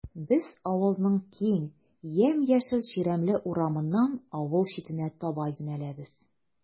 Без авылның киң, ямь-яшел чирәмле урамыннан авыл читенә таба юнәләбез.